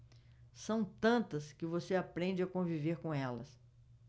são tantas que você aprende a conviver com elas